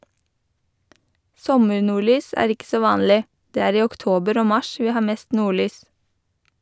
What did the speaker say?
Sommernordlys er ikke så vanlig, det er i oktober og mars vi har mest nordlys.